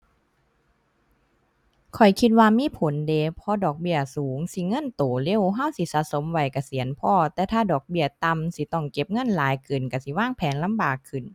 ข้อยคิดว่ามีผลเดะ เพราะดอกเบี้ยสูงสิเงินโตเร็ว เราสิสะสมไว้เกษียณพอ แต่ถ้าดอกเบี้ยต่ำ สิต้องเก็บเงินหลายเกิน เราสิวางแผนลำบากขึ้น